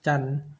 จันทร์